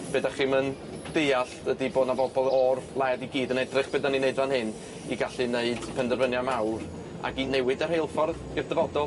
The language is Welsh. Be' dach chi'm yn deall ydi bo' 'na bobol o'r wlad i gyd yn edrych be' 'dan ni'n neud fan hyn i gallu neud penderfyniad mawr ag i newid y rheilffordd i'r dyfodol.